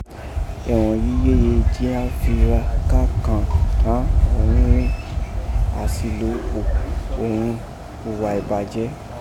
Ẹhọ̀n èyí yéye ji án fi ra ka kan ghán òghun rin aṣilo ipo, òghun uwa ibajẹ.